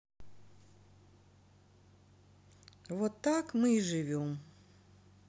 вот так мы и живем